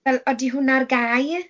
Fel, odi hwnna ar gau?